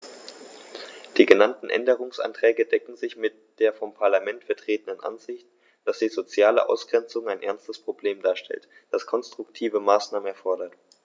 Die genannten Änderungsanträge decken sich mit der vom Parlament vertretenen Ansicht, dass die soziale Ausgrenzung ein ernstes Problem darstellt, das konstruktive Maßnahmen erfordert.